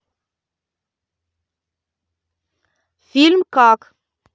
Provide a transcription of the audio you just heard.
фильм как